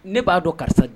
Ne b'a dɔn karisa